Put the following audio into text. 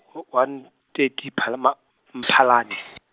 one thirty phalama-, Mphalane.